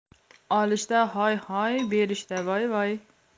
olishda hoy hoy berishda voy voy